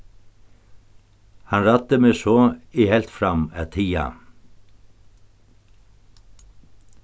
hann ræddi meg so eg helt fram at tiga